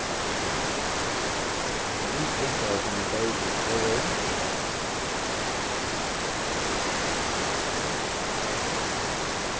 ein ung genta varð funnin deyð við motorvegin